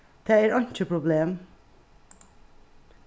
tað er einki problem